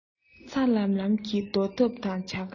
ཚ ལམ ལམ གྱི རྡོ ཐབ དང ཇ སྒམ